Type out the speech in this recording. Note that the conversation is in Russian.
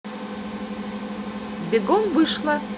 бегом вышла